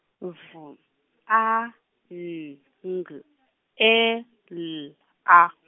V A N G E L A.